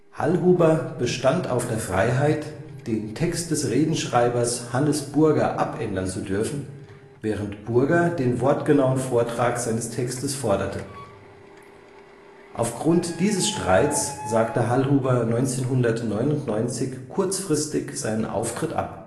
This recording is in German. Hallhuber bestand auf der Freiheit, den Text des Redenschreibers Hannes Burger abändern zu dürfen, während Burger den wortgenauen Vortrag seines Textes forderte. Aufgrund dieses Streits sagte Hallhuber 1999 kurzfristig seinen Auftritt ab